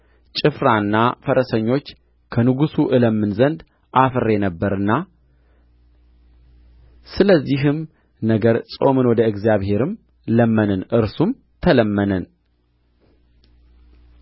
ጭፍራና ፈረሰኞች ከንጉሡ እለምን ዘንድ አፍሬ ነበርና ስለዚህም ነገር ጾምን ወደ እግዚአብሔርም ለመንን እርሱም ተለመነን